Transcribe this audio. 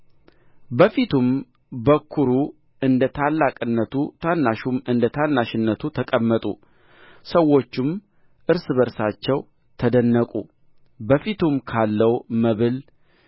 በፊቱም በኵሩ እንደ ታላቅነቱ ታናሹም እንደ ታናሽነቱ ተቀመጡ ሰዎቹም እርስ በርሳቸው ተደነቁ በፊቱም ካለው መብል